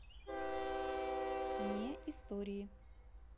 не истории